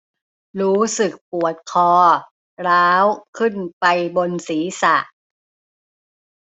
รู้สึกปวดคอร้าวขึ้นไปบนศีรษะ